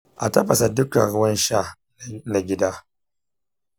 a tafasa dukkan ruwan sha na gidan.